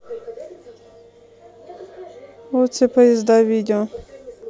вот все поезда видео